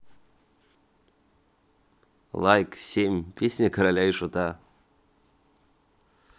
лайк семь песня короля и шута